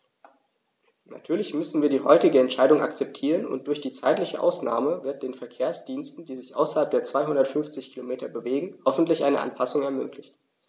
Natürlich müssen wir die heutige Entscheidung akzeptieren, und durch die zeitliche Ausnahme wird den Verkehrsdiensten, die sich außerhalb der 250 Kilometer bewegen, hoffentlich eine Anpassung ermöglicht.